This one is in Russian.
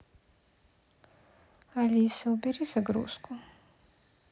алиса убери загрузку